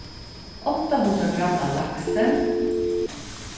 átta hundrað gramm av laksi